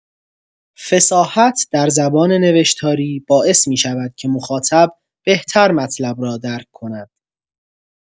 فصاحت در زبان نوشتاری باعث می‌شود که مخاطب بهتر مطلب را درک کند.